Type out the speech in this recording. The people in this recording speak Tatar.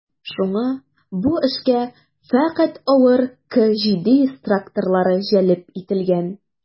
Шуңа бу эшкә фәкать авыр К-700 тракторлары җәлеп ителгән.